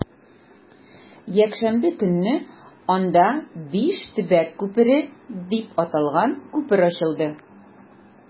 Якшәмбе көнне анда “Биш төбәк күпере” дип аталган күпер ачылды.